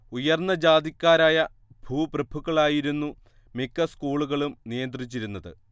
ഉയർന്ന ജാതിക്കാരായ ഭൂപ്രഭുക്കളായിരുന്നു മിക്ക സ്കൂളുകളും നിയന്ത്രിച്ചിരുന്നത്